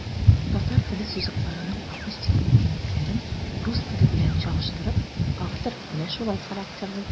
Татар теле сузыкларының акустик мөмкинлекләрен, рус теле белән чагыштырып, автор менә шулай характерлый.